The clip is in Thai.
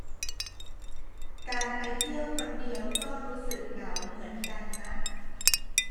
การไปเที่ยวคนเดียวก็รู้สึกเหงาเหมือนกันนะ